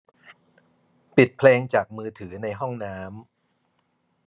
ปิดเพลงจากมือถือในห้องน้ำ